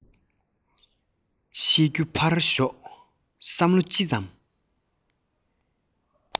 ཤེས རྒྱུ ཕར ཞོག བསམ བློ ཅི ཙམ